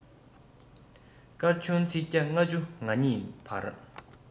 སྐར ཆུང ཚིག བརྒྱ ལྔ བཅུ ང གཉིས བར